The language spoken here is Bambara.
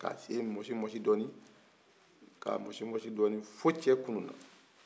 ka sen mɔsimɔsi dɔɔni k'a mɔsimɔsi dɔɔni fo cɛ kununa